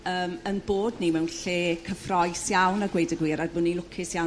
yrm 'yn bod ni mewn lle cyffrous iawn a gweud y gwir a bo' ni lwcus iawn